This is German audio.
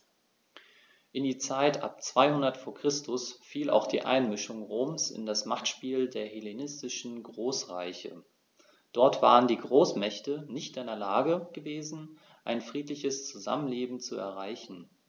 In die Zeit ab 200 v. Chr. fiel auch die Einmischung Roms in das Machtspiel der hellenistischen Großreiche: Dort waren die Großmächte nicht in der Lage gewesen, ein friedliches Zusammenleben zu erreichen.